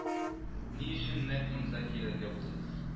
Ни өчен нәкъ монда килергә булдыгыз